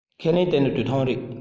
ཁས ལེན དེ ནི དུས ཐུང རེད